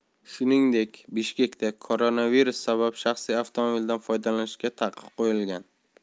shuningdek bishkekda koronavirus sabab shaxsiy avtomobildan foydalanishga taqiq qo'yilgan